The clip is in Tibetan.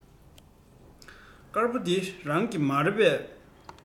དཀར པོ འདི རང གི མ རེད པས